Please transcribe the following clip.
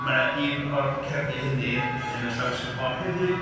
Mae yna un o'r cerddi hynny yn y llawysgrif hon hefyd